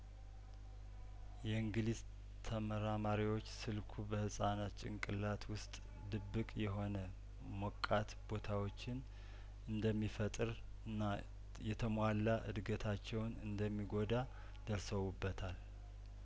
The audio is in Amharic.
የእንግሊዝ ተመራማሪዎች ስልኩ በህጻናት ጭንቅላት ውስጥ ድብቅ የሆነ ሞቃት ቦታዎችን እንደሚፈጥርና የተሟላ እድገታቸውን እንደሚጐዳ ደርሰውበታል